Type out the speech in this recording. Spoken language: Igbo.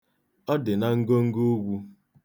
Ọ dị na ngongo ugwu.